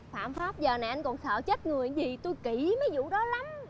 phạm pháp giờ này anh còn sợ chết người gì tôi kỹ mấy vụ đó lắm